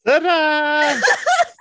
Tara!